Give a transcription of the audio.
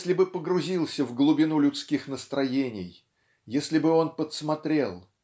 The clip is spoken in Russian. если бы погрузился в глубину людских настроений если бы он подсмотрел